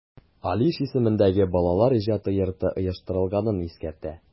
Алиш исемендәге Балалар иҗаты йорты оештырганлыгын искәртә.